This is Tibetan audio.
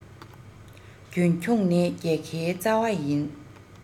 རྒྱུན འཁྱོངས ནི རྒྱལ ཁའི རྩ བ ཡིན